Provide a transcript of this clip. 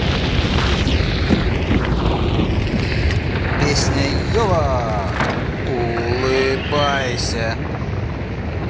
песня iowa улыбайся